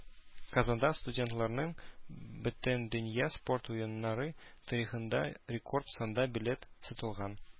Казанда студентларның Бөтендөнья спорт Уеннары тарихында рекорд санда билет сатылган.